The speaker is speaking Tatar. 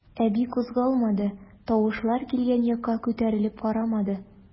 Әби кузгалмады, тавышлар килгән якка күтәрелеп карамады.